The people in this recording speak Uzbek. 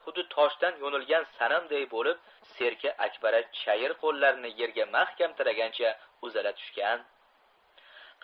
xuddi toshdan yo'nilgan sanamday bo'lib serka akbara chayir qo'llarini yerga mahkam tiragancha uzala tushgan